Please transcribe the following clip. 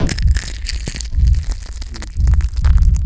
печени